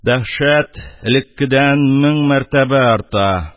Дәһшәт элеккедән мең мәртәбә арта.